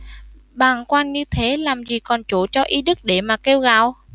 bàng quan như thế làm gì còn chỗ cho y đức để mà kêu gào